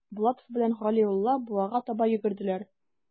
Булатов белән Галиулла буага таба йөгерделәр.